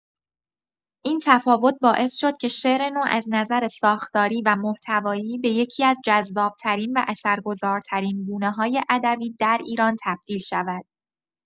این تفاوت باعث شد که شعر نو از نظر ساختاری و محتوایی به یکی‌از جذاب‌ترین و اثرگذارترین گونه‌های ادبی در ایران تبدیل شود.